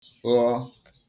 ghọọ